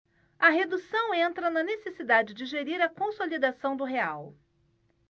a redução entra na necessidade de gerir a consolidação do real